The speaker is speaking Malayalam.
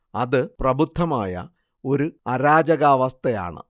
അത് പ്രബുദ്ധമായ ഒരു അരാജകാവസ്ഥയാണ്